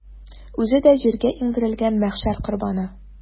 Үзе дә җиргә иңдерелгән мәхшәр корбаны.